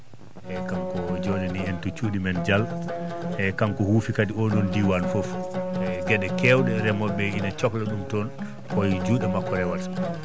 eeyi kanko jooɗani en to cuuɗimen Dial eeyi huufi kadi oɗon diiwaan fof eeyi geɗe keewɗe remooɓe ɓee ina cohla ɗum toon ko e juuɗe makko rewata